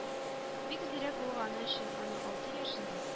Бик зирәк булганы өчен аны алты яшендә